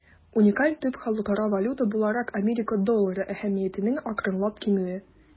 Уникаль төп халыкара валюта буларак Америка доллары әһәмиятенең акрынлап кимүе.